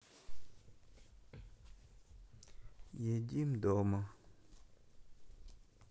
едим дома